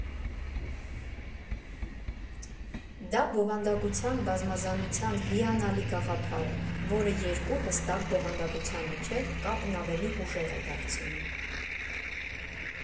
Դա բովանդակության բազմազանության հիանալի գաղափար է, որը երկու հստակ բովանդակության միջև կապն ավելի ուժեղ է դարձնում։